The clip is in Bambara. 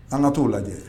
An ka t' lajɛ